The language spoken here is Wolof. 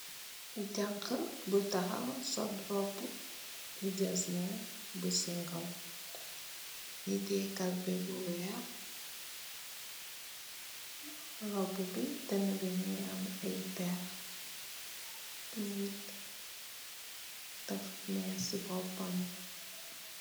Jankah bu takhaw sol rohbu bu getzner bu chingom, mungy tiyeh kalpeh bu wekh, rohbu bii dehnah bii mungy am aiiy pehrre, mungy deff meeche cii bopam bii.